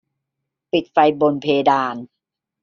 ปิดไฟบนเพดาน